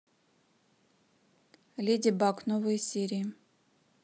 леди баг новые серии